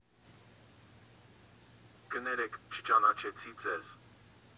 Կներեք, չճանաչեցի ձեզ»։